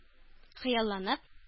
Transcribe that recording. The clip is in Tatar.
Хыялланып